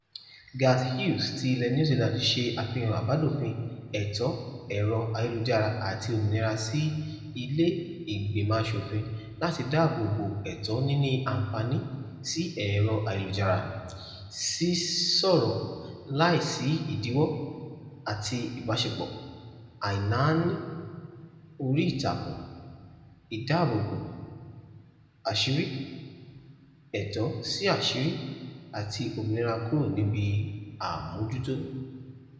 Garth Hughes ti ilẹ̀ New Zealand ṣe àfihàn àbádòfin ẹ̀tọ́ ẹ̀rọ ayélujára àti òmìnira sí ilé ìgbìmọ̀ aṣòfin láti dáàbò bo ẹ̀tọ́ níní àǹfààní sí ẹ̀rọ ayélujára, sísọ̀rọ̀ láì sí ìdíwọ́ àti ìbáṣepọ̀, àìnáání orí ìtàkùn, ìdáàbò bo àṣírí, ẹ̀tọ́ sí àṣírí àti òmìnira kúrò níbi àmójútó.